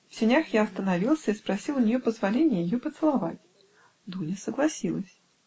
В сенях я остановился и просил у ней позволения ее поцеловать Дуня согласилась.